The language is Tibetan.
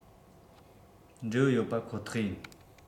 འབྲས བུ ཡོད པ ཁོ ཐག ཡིན